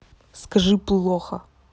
скажи плохо